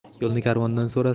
yo'lni karvondan so'ra